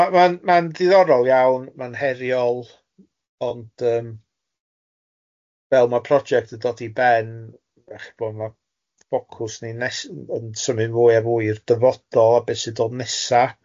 Ma'n ma'n ma'n ddiddorol iawn, ma'n heriol, ond yym fel ma'r project yn dod i ben, dach chibod ma' ffocws ni nes- yn symud mwy a fwy i'r dyfodol, be sy'n dod nesa.